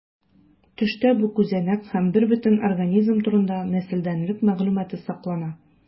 Төштә бу күзәнәк һәм бербөтен организм турында нәселдәнлек мәгълүматы саклана.